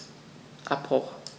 Abbruch.